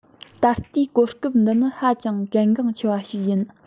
ད ལྟའི གོ སྐབས འདི ནི ཧ ཅང གལ འགངས ཆེ བ ཞིག ཡིན